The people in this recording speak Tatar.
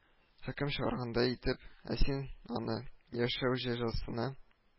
Хөкем чыгаргандай итеп, — ә син аны — яшәү җәзасына…